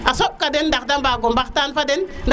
a soɓ ka den ndax de mbago ɓaxtan fa den